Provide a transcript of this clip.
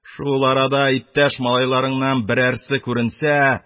Шул арада иптәш малайларыңнан берәрсе күренсә -